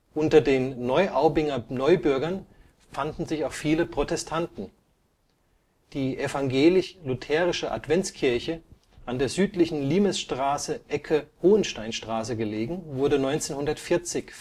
Unter den Neuaubinger Neubürgern fanden sich auch viele Protestanten. Die evangelisch-lutherische Adventskirche, an der südlichen Limesstraße Ecke Hohensteinstraße gelegen, wurde 1940